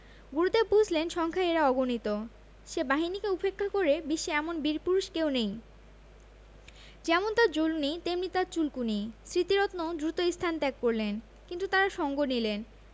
গুরুদেব বুঝলেন সংখ্যায় এরা অগণিত সে বাহিনীকে উপেক্ষা করে বিশ্বে এমন বীরপুরুষ কেউ নেই যেমন তার জ্বলুনি তেমনি তার চুলকুনি স্মৃতিরত্ন দ্রুত স্থান ত্যাগ করলেন কিন্তু তারা সঙ্গ নিলে